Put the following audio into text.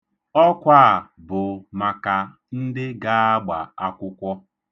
Ọkwa a bụ maka ndị ga-agba akwụkwọ.